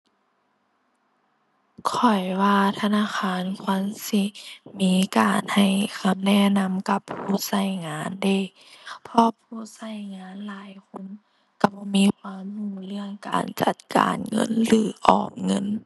ข้อยว่าธนาคารควรสิมีการให้คำแนะนำกับผู้ใช้งานเดะ เพราะผู้ใช้งานหลายคนใช้บ่มีความใช้เรื่องการจัดการเงินหรือออมเงิน